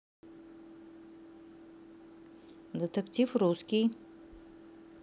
детектив русский